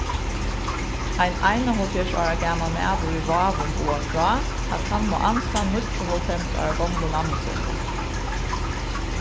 ein einoghálvfjerðs ára gamal maður í vágum boðar frá at hann má ansa níggjuoghálvfems ára gomlu mammu síni